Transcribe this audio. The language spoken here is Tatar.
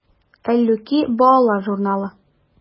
“әллүки” балалар журналы.